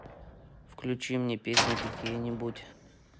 включи мне песни какие нибудь